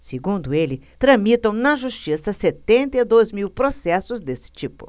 segundo ele tramitam na justiça setenta e dois mil processos desse tipo